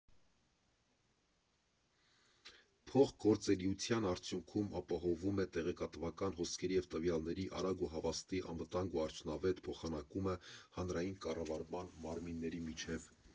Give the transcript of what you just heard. Փոխգործելիության արդյունքում ապահովվում է տեղեկատվական հոսքերի և տվյալների արագ ու հավաստի, անվտանգ ու արդյունավետ փոխանակումը հանրային կառավարման մարմինների միջև։